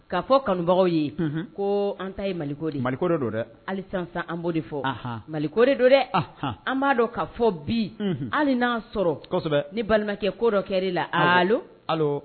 Kaa fɔ kanubagaw ye ko an ta ye maliko de mali ko don dɛ alisa an b'o de fɔ mali koɔri don dɛ an b'a dɔn'a fɔ bi hali n'a sɔrɔ ni balimakɛ ko dɔ kɛra la ali